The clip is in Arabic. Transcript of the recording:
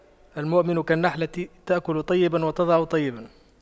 المؤمن كالنحلة تأكل طيبا وتضع طيبا